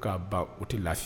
Ka ban o tɛ la